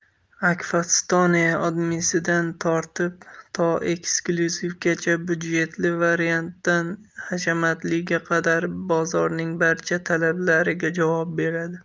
akfa stone odmisidan tortib to eksklyuzivgacha budjetli variantdan hashamatliga qadar bozorning barcha talablariga javob beradi